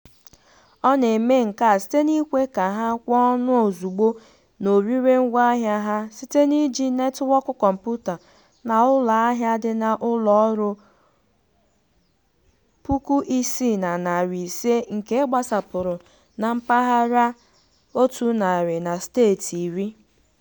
Ọ na-eme nke a site n'ikwe ka ha kwe ọnụ ozugbo n'orire ngwaahịa ha site n'iji netwọk kọmputa na ụlọahịa dị n'ụlọọrụ 6500 nke gbasapuru na mpaghara 100 na steeti 10.